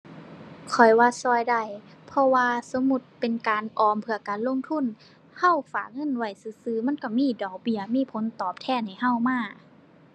ข้อยว่าช่วยได้ เพราะว่าสมมุติเป็นการออมเพื่อการลงทุน ช่วยฝากเงินไว้ซื่อซื่อมันช่วยมีดอกเบี้ย มีผลตอบแทนให้ช่วยมา